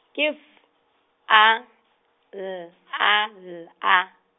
ke F, A , L A L A.